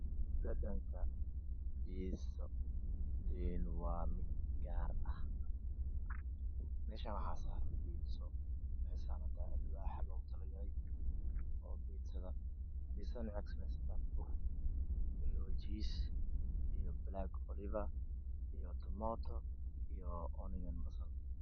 Waa mod gaari Waxa saaran pizza waxa ka sayaantahay black olive